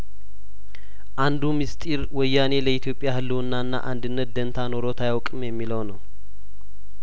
አንዱ ምስጢር ወያኔ ለኢትዮጵያ ህልውናና አንድነት ደንታ ኖሮት አያውቅም የሚለው ነው